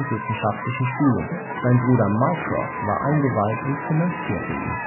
wissenschaftlichen Studien, sein Bruder Mycroft war eingeweiht und finanzierte ihn. In